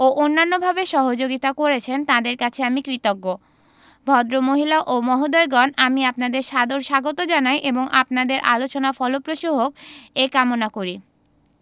ও অন্যান্যভাবে সহযোগিতা করেছেন তাঁদের কাছে আমি কৃতজ্ঞ ভদ্রমহিলা ও মহোদয়গণ আমি আপনাদের সাদর স্বাগত জানাই এবং আপনাদের আলোচনা ফলপ্রসূ হোক এ কামনা করি